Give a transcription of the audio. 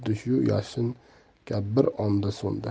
xuddi shu yashin kabi bir onda so'ndi